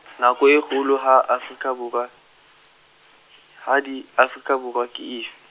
nako e kgolo ha Afrika Borwa, hadi, Afrika Borwa ke efe?